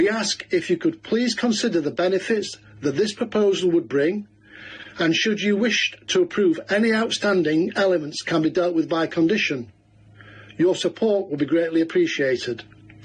We ask if you could please consider the benefits that this proposal would bring, and should you wish to approve any outstanding elements can be dealt with by condition, your support will be greatly appreciated.